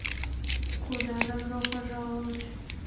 куда добро пожаловать